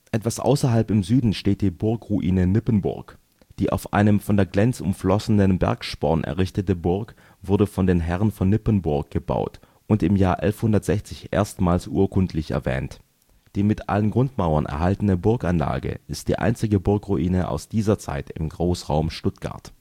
Etwas außerhalb im Süden steht die Burgruine Nippenburg. Die auf einem von der Glems umflossenen Bergsporn errichtete Burg wurde von den Herren von Nippenburg gebaut und im Jahr 1160 erstmals urkundlich erwähnt. Die mit allen Grundmauern erhaltene Burganlage ist die einzige Burgruine aus dieser Zeit im Großraum Stuttgart